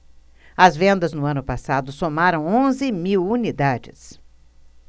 as vendas no ano passado somaram onze mil unidades